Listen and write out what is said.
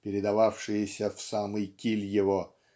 передававшиеся в самый киль его